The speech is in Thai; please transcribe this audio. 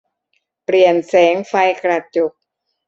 เปลี่ยนแสงไฟกระจก